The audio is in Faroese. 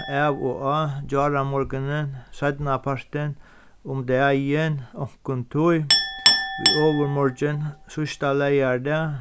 av og á gjáramorgunin seinnapartin um dagin onkuntíð í ovurmorgin síðsta leygardag